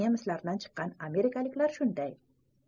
nemislardan chiqqan amerikaliklar shunday